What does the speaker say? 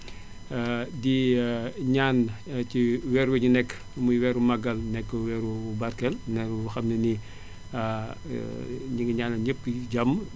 di ñaan ci weer wi ñu nekk muy weeru màggal nekk weer wu barkeel nekk weer woo xam ne nii ñu ngi ñaanal ñépp jàmm